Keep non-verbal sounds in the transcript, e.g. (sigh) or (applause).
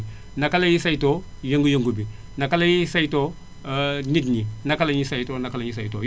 naka la ñuy saytoo yëngu-yëngu bi naka la ñuy saytoo (hesitation) nit ñi naka la ñuy saytoo naka la ñuy saytoo